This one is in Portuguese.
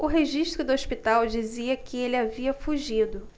o registro do hospital dizia que ele havia fugido